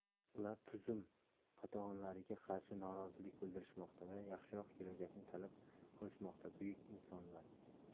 ular tuzum qatag'onlariga qarshi norozilik bildirishmoqda va yaxshiroq kelajakni talab qilishmoqda buyuk insonlar